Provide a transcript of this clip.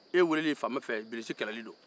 e weeleli faama fɛ bilisi kɛlɛli